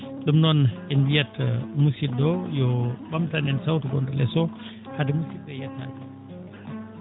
ɗum noon en mbiyat musidɗo oo yo o ɓamtan en sawto gonɗo less o hade musidɓe yettaade